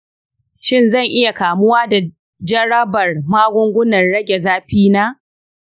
shin zan iya kamuwa da jarabar magungunan rage zafi na?